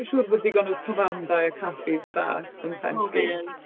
Dwi'n siŵr bod digon o tafarndai a caffis da yn Pen... bob un! ...Llyn.